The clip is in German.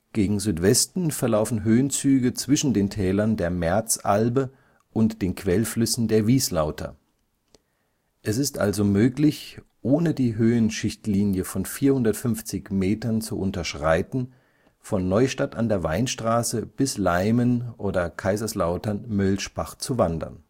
Gegen Südwesten verlaufen Höhenzüge zwischen den Tälern der Merzalbe und den Quellflüssen der Wieslauter. Es ist also möglich, ohne die Höhenschichtlinie von 450 m zu unterschreiten, von Neustadt an der Weinstraße bis Leimen oder Kaiserslautern-Mölschbach zu wandern